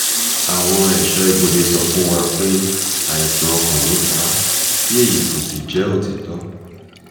Àwọn ẹ̀ṣọ́-ibodè sọ fún wa pé àìsàn ọkàn ló pa á, tí èyí kò sì jẹ́ òtítọ́.